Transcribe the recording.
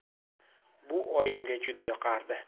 bu oyimga juda yoqardi